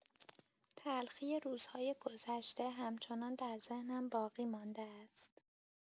تلخی روزهای گذشته همچنان در ذهنم باقی‌مانده است.